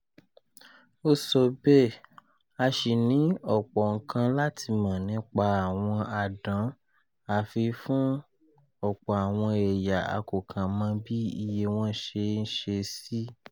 Ó sọ bẹ́ẹ̀: "A ṣì ní ọ̀pọ̀ ǹkan láti mọ̀ nípa àwọn àdán àfi fún ọ̀pọ̀ àwọn ẹ̀yà a kò kàn mọ bí iye wọn ṣe ń ṣe sí."